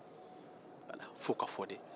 f'o ka fɔ de